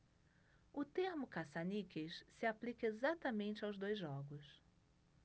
o termo caça-níqueis se aplica exatamente aos dois jogos